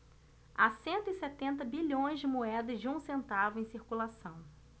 há cento e setenta bilhões de moedas de um centavo em circulação